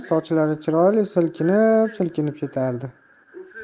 sochlari chiroyli silkinib silkinib ketardi